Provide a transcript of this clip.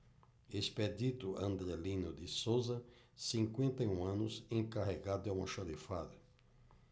expedito andrelino de souza cinquenta e um anos encarregado de almoxarifado